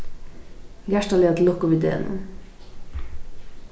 hjartaliga til lukku við degnum